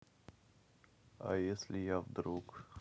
а если я вдруг